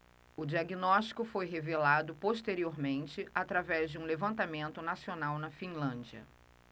o diagnóstico foi revelado posteriormente através de um levantamento nacional na finlândia